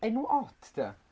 Enw od de?